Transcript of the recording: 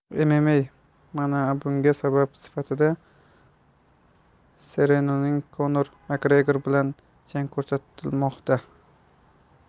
mma maniabunga sabab sifatida serronening konor makgregor bilan jang ko'rsatilmoqda